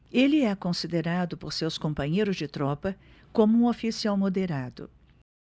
ele é considerado por seus companheiros de tropa como um oficial moderado